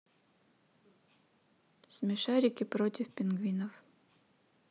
смешарики против пингвинов